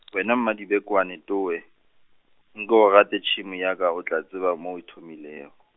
wena madibekwane towe, nko o gate tšhemo ya ka, o tla tseba mo o thomilego.